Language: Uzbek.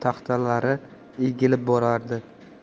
taxtalari egilib borardi